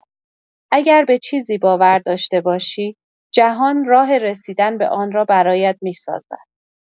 اگر به چیزی باور داشته باشی، جهان راه رسیدن به آن را برایت می‌سازد.